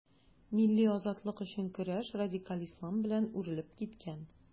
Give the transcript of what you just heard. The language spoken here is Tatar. Милли азатлык өчен көрәш радикаль ислам белән үрелеп киткән.